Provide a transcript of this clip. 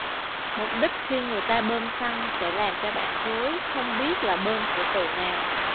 mục đích khi người ta bơm xăng sẽ làm cho bạn rối không biết là bơm của trụ nào